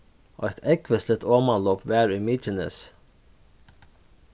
eitt ógvusligt omanlop var í mykinesi